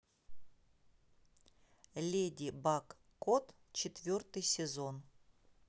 леди баг кот четвертый сезон